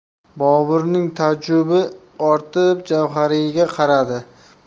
boburning taajjubi ortib javhariyga